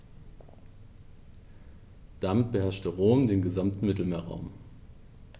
Damit beherrschte Rom den gesamten Mittelmeerraum.